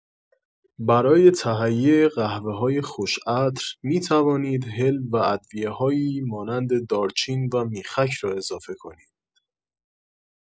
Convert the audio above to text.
برای تهیه قهوه‌های خوش‌عطر، می‌توانید هل و ادویه‌هایی مانند دارچین و میخک را اضافه کنید.